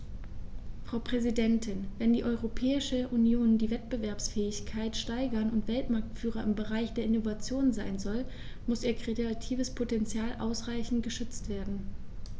Frau Präsidentin, wenn die Europäische Union die Wettbewerbsfähigkeit steigern und Weltmarktführer im Bereich der Innovation sein soll, muss ihr kreatives Potential ausreichend geschützt werden.